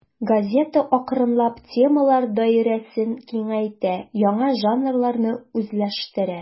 Газета акрынлап темалар даирәсен киңәйтә, яңа жанрларны үзләштерә.